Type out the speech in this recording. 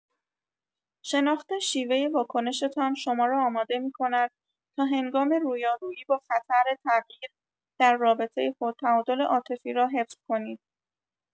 شناخت شیوه واکنشتان شما را آماده می‌کند تا هنگام رویارویی با خطر تغییر در رابطه خود، تعادل عاطفی را حفظ کنید.